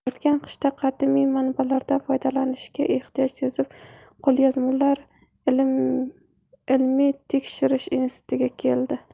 o'tgan qishda qadimiy manbalardan foydalanishga ehtiyoj sezib qo'lyozmalar ilmiytekshirish institutiga keldi